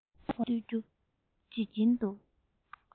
འོ མ ལྡུད རྒྱུ རྗེད ཀྱིན འདུག